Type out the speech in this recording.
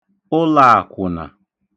ụlāàkwụ̀nà